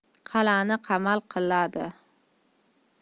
qal'ani qamal qiladi